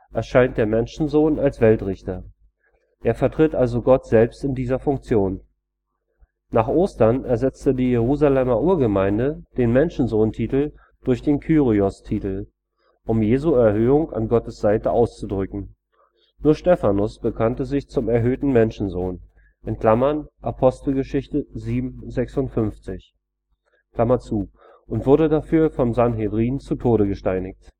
erscheint der Menschensohn als Weltrichter. Er vertritt also Gott selbst in dieser Funktion. Nach Ostern ersetzte die Jerusalemer Urgemeinde den Menschensohntitel durch den Kyrios-Titel, um Jesu Erhöhung an Gottes Seite auszudrücken. Nur Stefanus bekannte sich zum erhöhten Menschensohn (Apg 7,56 EU) und wurde dafür vom Sanhedrin zu Tode gesteinigt